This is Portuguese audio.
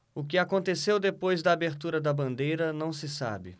o que aconteceu depois da abertura da bandeira não se sabe